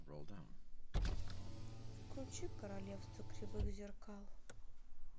включи королевство кривых зеркал